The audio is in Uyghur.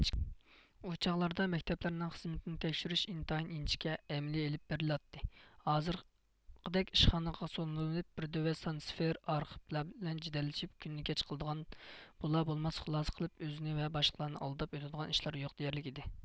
ئۇ چاغلاردا مەكتەپلەرنىڭ خىزمىتىنى تەكشۈرۈش ئىنتايىن ئىنچىكە ئەمەلىي ئېلىپ بېرىلاتتى ھازىرقىدەك ئىشخانىغا سولىنىۋىلىپ بىر دۆۋە سان سىفىر ئارخىپ بىلەن جېدەللىشىپ كۈننى كەچ قىلىدىغان بولا بولماس خۇلاسە قىلىپ ئۆزىنى ۋە باشقىلارنى ئالداپ ئۆتىدىغان ئىشلار يوق دېيەرلىك ئىدى